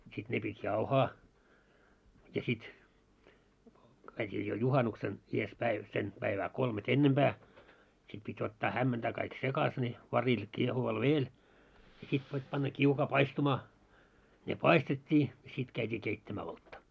sitten ne piti jauhaa ja sitten käytiin jo juhannuksena edessä päin sen päivää kolmea ennempää sitten piti ottaa hämmentää kaikki sekaisin ne varillä kiehuvalla vedellä ja sitten piti panna kiukaaseen paistumaan ne paistettiin ja sitten käytiin keittämään olutta